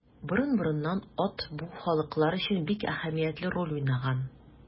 Борын-борыннан ат бу халыклар өчен бик әһәмиятле роль уйнаган.